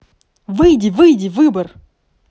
выйди выйди выбор